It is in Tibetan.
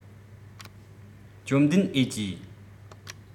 བཅོམ ལྡན འས ཀྱིས